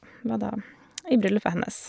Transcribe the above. Var da i bryllupet hennes.